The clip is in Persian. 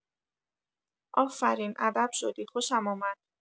آفرین ادب شدی خوشم اومد